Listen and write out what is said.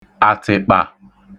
àtị̀kpà